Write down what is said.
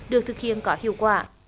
được thực hiện có hiệu quả